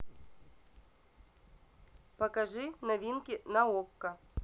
покажи новинки на окко